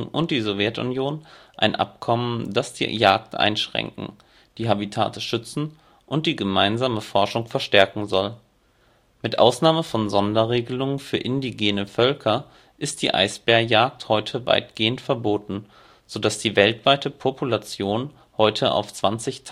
und die Sowjetunion ein Abkommen, das die Jagd einschränken, die Habitate schützen und die gemeinsame Forschung verstärken soll. Mit Ausnahme von Sonderregelungen für Indigene Völker ist die Eisbärjagd heute weitgehend verboten, sodass die weltweite Population heute auf 20.000